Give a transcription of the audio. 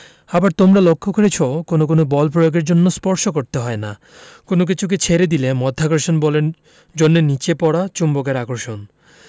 আবার তোমরা লক্ষ করেছ কোনো কোনো বল প্রয়োগের জন্য স্পর্শ করতে হয় না কোনো কিছু ছেড়ে দিলে মাধ্যাকর্ষণ বলের জন্য নিচে পড়া চুম্বকের আকর্ষণ